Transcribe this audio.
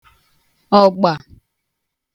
ọ̀gbà